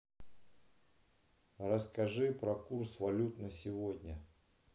расскажи про курс валют на сегодня